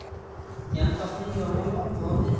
yantoqning yog'i yo'q